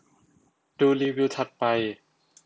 ดูรีวิวถัดไป